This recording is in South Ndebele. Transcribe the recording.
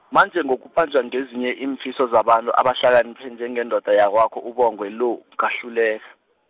manje ngokubanjwa ngezinye iimfiso zabantu abahlakanipha njengendoda yakwakho uBongwe lo, ngahluleka.